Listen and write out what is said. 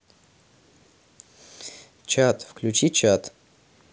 чат включи чат